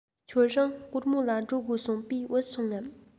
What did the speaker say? ཁྱོད རང གོར མོ ལ འགྲོ དགོས གསུངས པས བུད སོང ངམ